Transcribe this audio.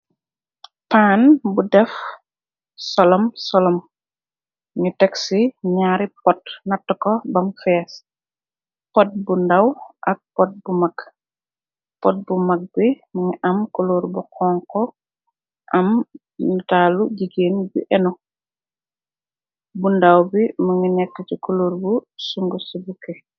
paan bu def solom-solom ñu teg ci ñaari pot natt ko bam fees pot bu ndàw ak pot bu mag pot bu mag bi mingi am kuloor bu xon ko am nataalu jigéen bu eno bu ndaw bi mu ngi nekk ci kuloor bu sungu ci bukke